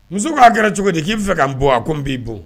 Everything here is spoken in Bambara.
Muso k'a kɛra cogo di ? K'i bɛ fɛ ka bɔ wa? ́Ko n b’i bon